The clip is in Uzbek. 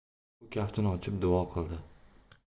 u kaftini ochib duo qildi